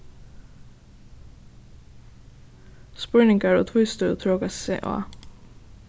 spurningar og tvístøður troka seg á